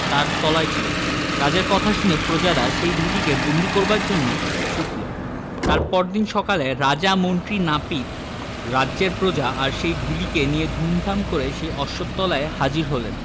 তারই তলায় যেও রাজার কথা শুনে প্রজারা সেই ঢুলিকে বন্দী করবার জন্যে ছুটল তার পরদিন সকালে রাজা মন্ত্রী নাপিত রাজ্যের প্রজা আর সেই চুলিকে নিয়ে ধুমধাম করে সেই অশ্বত্থতলায় হাজির হলেন